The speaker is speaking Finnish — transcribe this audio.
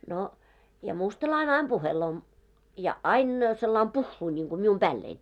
no ja mustalainen aina puhelee ja aina sillä lailla puhuu niin kuin minun päälleni